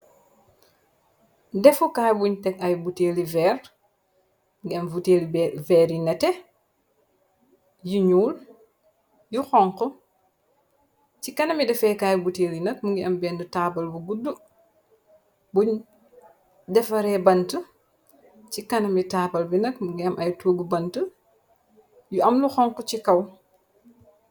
defukaay buñ teg ay buteeli veer ngi am vuteeli veer yi nete yu ñuul yu xonk ci kanami defeekaay buteel yi nag mu ngi am bend taabal bu gudd buñ defaree bant ci kanami taabal bi nag mu ngi am ay toogu bant yu am lu xonk ci kaw